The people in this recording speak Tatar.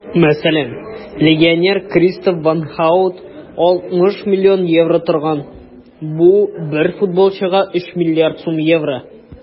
Мәсәлән, легионер Кристоф ван Һаут (Халк) 60 млн евро торган - бу бер футболчыга 3 млрд сум евро!